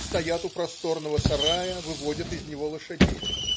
стоят у просторного сарая, выводят из него лошадей.